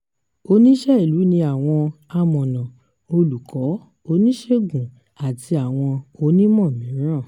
Oníṣẹ́ ìlú ni àwọn amọ̀nà, olùkọ́, oníṣègùn àti àwọn onímọ̀ mìíràn.